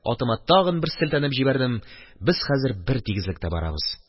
Атыма тагын бер селтәнеп җибәрдем – без хәзер бер тигезлектә барабыз.